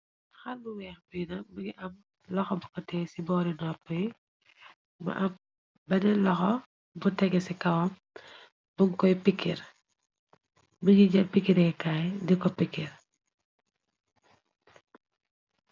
Xal bu weex bi na bigi ab loxo bokkatee ci boori nopp y mu ab bane loxo bu tege ci kawa bu kokrbingi jër pikkireekaay di ko pikkir.